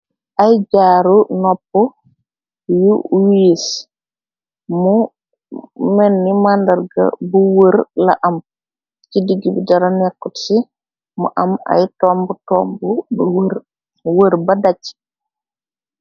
Ay jaaru nopp yu wiis mu mënni màndarga bu wër la am ci diggbi dara nekkut si mu am ay tomb tomb wër ba dacc.